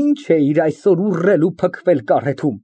ի՞նչ էիր այսօր ուռել ու փքվել կարեթում։